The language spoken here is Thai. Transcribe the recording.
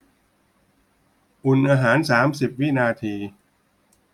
อุ่นอาหารสามสิบวินาที